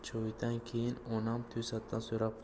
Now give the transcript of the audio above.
keyin onam to'satdan so'rab qoldi